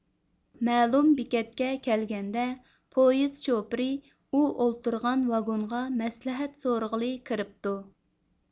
مەلۇم بېكەتكە كەلگەندە پويىز شوپۇرى ئۇ ئولتۇرغان ۋاگونغا مەسلىھەت سورىغىلى كىرىپتۇ